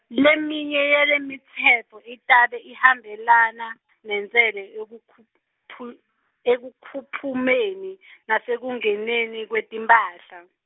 leminye yalemitsetfo itabe ihambelana, nentsela ekukhuphu- ekuphumeni, nasekungeneni kwetimphahla.